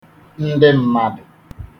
ndị m̄mādụ̀